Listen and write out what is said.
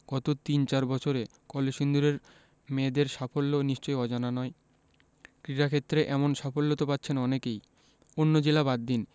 গত তিন চার বছরে কলসিন্দুরের মেয়েদের সাফল্য নিশ্চয়ই অজানা নয় ক্রীড়াক্ষেত্রে এমন সাফল্য তো পাচ্ছেন অনেকেই অন্য জেলা বাদ দিন